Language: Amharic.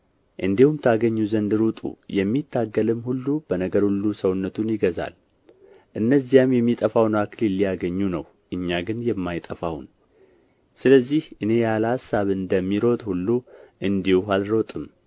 እንዲሁም ታገኙ ዘንድ ሩጡ የሚታገልም ሁሉ በነገር ሁሉ ሰውነቱን ይገዛል እነዚያም የሚጠፋውን አክሊል ሊያገኙ ነው እኛ ግን የማይጠፋውን ስለዚህ እኔ ያለ አሳብ እንደሚሮጥ ሁሉ እንዲሁ አልሮጥም